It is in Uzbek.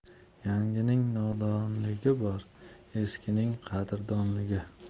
yangining nodonligi bor eskining qadrdonligi